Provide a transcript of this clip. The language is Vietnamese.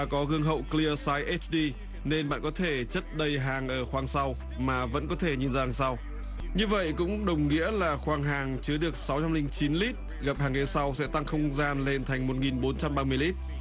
có gương hậu cờ lia sai ết đi nên bạn có thể chất đầy hàng ở khoang sau mà vẫn có thể nhìn dàn sao như vậy cũng đồng nghĩa là khoang hàng chứa được sáu trăm linh chín lít gập hàng ghế sau sẽ tăng không gian lên thành một nghìn bốn trăm ba mươi lít